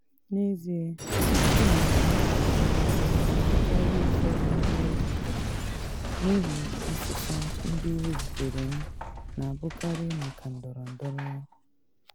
N’ezie, ama m na m ka nwee ihu ọma karịa ụfọdụ ndị ọrụ ibe m n’ihi asịsa ndị ezitere m na abụkarị maka ndọrọndọrọ.